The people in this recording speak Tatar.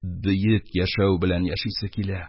Бөек яшәү белән яшисең килә.